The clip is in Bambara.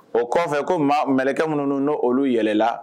O kɔfɛ ko ma mkɛ minnu n oluolu yɛlɛla